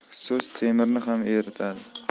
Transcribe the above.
so'z temirni ham eritadi